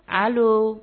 Paul